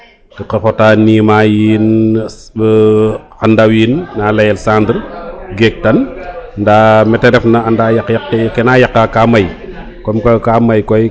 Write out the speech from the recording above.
ke o xota nima yiin xa ndawiin na leyel cendre geek tan nda mete ref na anda yaq yaq ke kena yaqa ka may comme que ka may koy